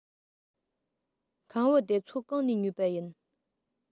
ཁམ བུ དེ ཚོ གང ནས ཉོས པ ཡིན